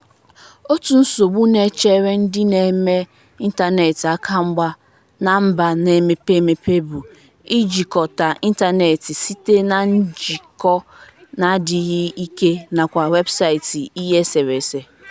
Otu nsogbu na-echere ndị na-eme ịntanetị aka mgba na mba na-emepe emepe bụ ijikọta ịntanetị site na njikọ na-adịghị ike nakwa website ihe eserese.